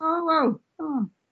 O wow, o.